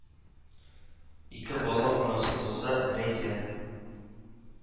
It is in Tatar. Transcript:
Ике бала анасы булса, рәйсә